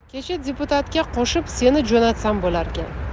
kecha deputatga qo'shib seni jo'natsam bo'larkan